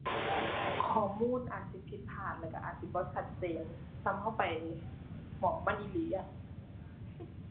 ข้อมูลอาจสิผิดพลาด แล้วก็อาจสิบ่ก็เจน ส่ำก็ไป หม้องมันอีหลีอะ